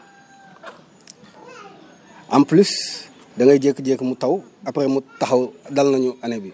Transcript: en plus dañoo jékki-jékki mu taw après mu taxaw dalal ñu année bi